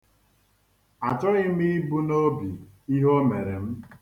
Achọghị m ibu n'obi ihe o mere m.